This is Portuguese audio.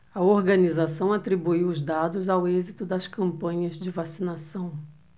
a organização atribuiu os dados ao êxito das campanhas de vacinação